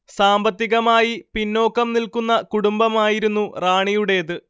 സാമ്പത്തികമായി പിന്നോക്കം നിൽക്കുന്ന കുടുംബമായിരുന്നു റാണിയുടേത്